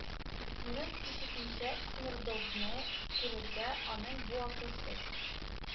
Минут кичекмичә смердовны күрергә, аның бу акылсыз